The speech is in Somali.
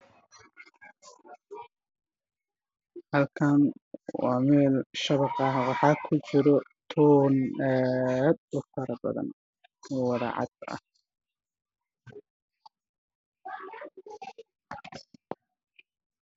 Halkaan waa meel shabaq ah waxaa kujiro toon aad u badan oo wada cad